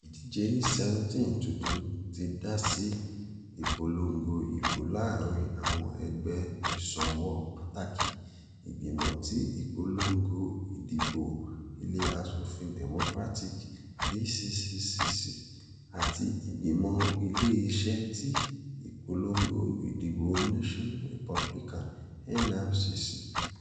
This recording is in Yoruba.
Ìdíje ní 17th tuntun ti dásí ìpòlòngo ìbò láàrín àwọn ẹgbẹ́ ìṣòwò pàtàkì, Ìgbìmọ̀ ti Ìpòlòngo Ìdìbò Ilé Aṣòfin Democratic (DCCC) àti Ìgbìmọ̀ Ilé-iṣẹ́ ti Ìpòlòngo Ìdìbò National Republican (NRCC).